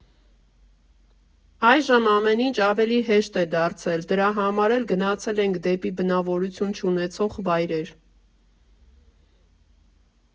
Այժմ ամեն ինչ ավելի հեշտ է դարձել, դրա համար էլ գնացել ենք դեպի բնավորություն չունեցող վայրեր։